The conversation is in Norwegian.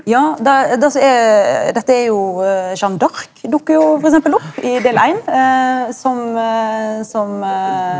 ja det det som er dette er jo Jeanne d'Arc dukkar jo f.eks. opp i del éin som som .